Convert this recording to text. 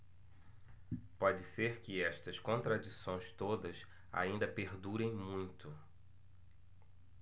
pode ser que estas contradições todas ainda perdurem muito